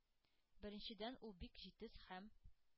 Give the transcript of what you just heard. Беренчедән, ул бик җитез hәм